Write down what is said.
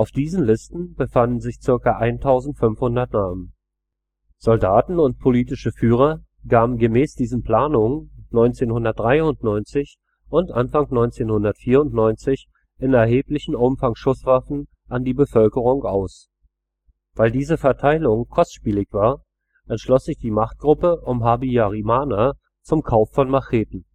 diesen Listen befanden sich zirka 1500 Namen. Soldaten und politische Führer gaben gemäß diesen Planungen 1993 und Anfang 1994 in erheblichem Umfang Schusswaffen an die Bevölkerung aus. Weil diese Verteilung kostspielig war, entschloss sich die Machtgruppe um Habyarimana zum Kauf von Macheten